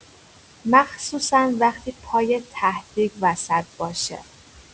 مخصوصا وقتی پای ته‌دیگ وسط باشه!